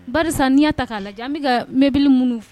Ba n'i y' ta k'a lajɛ an bɛ ka mɛnbele minnu